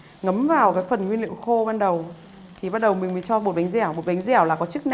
ngấm vào cái phần nguyên liệu khô ban đầu thì bắt đầu mình mới cho bột bánh dẻo bột bánh dẻo là có chức